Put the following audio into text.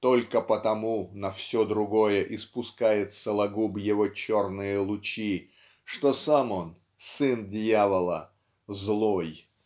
только потому на все другое испускает Сологуб его черные лучи что сам он сын Дьявола -- злой.